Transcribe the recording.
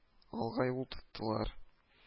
Алга юл тоттылар